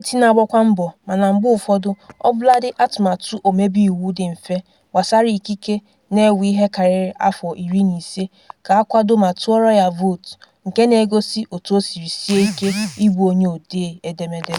Steeti na-agbakwa mbọ mana mgbe ụfọdụ ọbụladị atụmatụ omebeiwu dị mfe gbasara ikike na-ewe ihe karịrị afọ 15 ka a kwado ma tụọrọ ya vootu, nke na-egosi otu o siri sie ike ịbụ onye odee edemede.